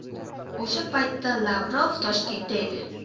o'sha paytda lavrov toshkentda edi